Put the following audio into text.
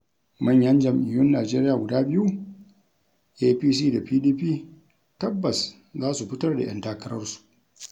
Manyan jam'iyyun Najeriya guda biyu, APC da PDP, tabbas za su fitar da 'yan takararsu: